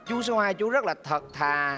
chú số hai chú rất là thật thà